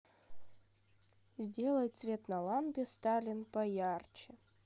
сделай цвет на лампе сталин поярче